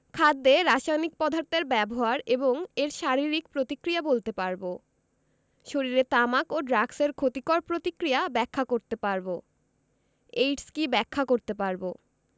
খাদ্যে রাসায়নিক পদার্থের ব্যবহার এবং এর শারীরিক প্রতিক্রিয়া বলতে পারব শরীরে তামাক ও ড্রাগসের ক্ষতিকর প্রতিক্রিয়া ব্যাখ্যা করতে পারব এইডস কী ব্যাখ্যা করতে পারব